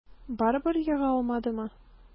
Барыбер ега алмадымы?